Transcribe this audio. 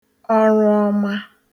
ọrụọma